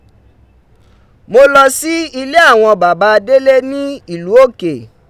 Mo lọ sí ilé àwọn bàba Délé ní ìlú òkè.